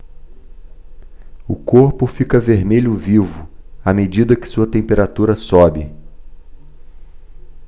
o corpo fica vermelho vivo à medida que sua temperatura sobe